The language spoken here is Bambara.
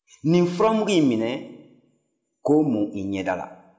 nin furamugu in minɛ k'o mu i ɲɛda la